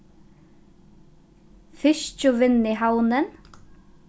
fiskivinnuhavnin